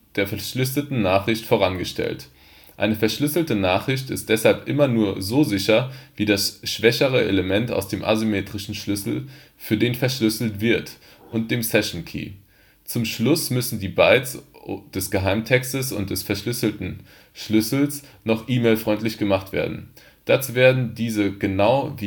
der verschlüsselten Nachricht vorangestellt. Eine verschlüsselte Nachricht ist deshalb immer nur so sicher wie das schwächere Element aus dem asymmetrischen Schlüssel, für den verschlüsselt wird, und dem Session Key. Zum Schluss müssen die Bytes des Geheimtextes und des verschlüsselten Schlüssels noch E-Mail-freundlich gemacht werden. Dazu werden diese (genauso